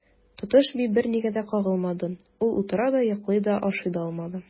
Тотыш би бернигә дә кагылмады, ул утыра да, йоклый да, ашый да алмады.